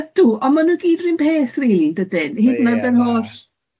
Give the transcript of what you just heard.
Ond maen nhw gyd yr un peth rili yn dydyn, hyd yn oed yn holl. Ia.